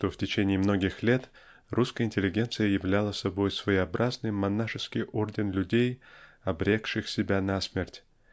что в течение многих лет русская интеллигенция являла собой своеобразный монашеский орден людей обрекших себя на смерть